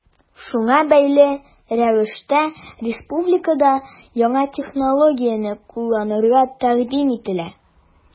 Шуңа бәйле рәвештә республикада яңа технологияне кулланырга тәкъдим ителә.